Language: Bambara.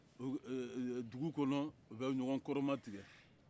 dugu kɔnɔ u bɛ ɲɔgɔn kɔrɔmatigɛ